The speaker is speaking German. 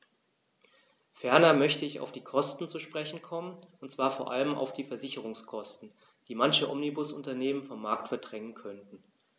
Ferner möchte ich auf die Kosten zu sprechen kommen, und zwar vor allem auf die Versicherungskosten, die manche Omnibusunternehmen vom Markt verdrängen könnten.